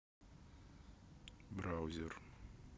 браузер